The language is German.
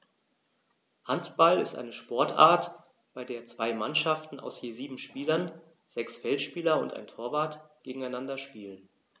Handball ist eine Sportart, bei der zwei Mannschaften aus je sieben Spielern (sechs Feldspieler und ein Torwart) gegeneinander spielen.